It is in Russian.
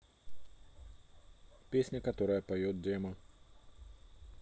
песня которая поет демо